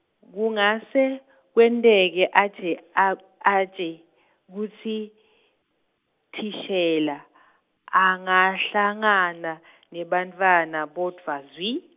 kungase, kwenteke aje, a aje kutsi, thishela angahlangana, nebantfwana bodvwa zwi?